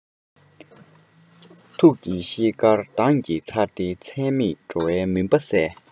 ཐུགས ཀྱི ཤེལ དཀར མདངས ཀྱིས འཚེར ཏེ མཐའ མེད འགྲོ བའི མུན པ བསལ